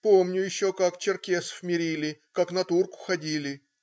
помню еще, как черкесов мирили, как на турку ходили.